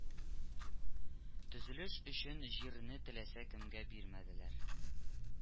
Төзелеш өчен җирне теләсә кемгә бирмәделәр